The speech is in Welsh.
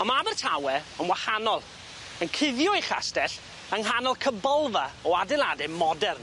On' ma' Abertawe yn wahanol, yn cuddio ei chastell yng nghanol cybolfa o adeilade modern.